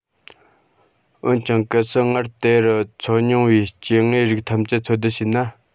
འོན ཀྱང གལ སྲིད སྔར དེ རུ འཚོ མྱོང བའི སྐྱེ དངོས རིགས ཐམས ཅད འཚོལ སྡུད བྱས ན